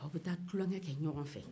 aw bɛ taa tulonkɛ kɛ ɲɔgɔn fɛ